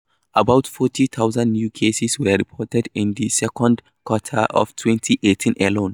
About 40,000 new cases were reported in the second quarter of 2018 alone.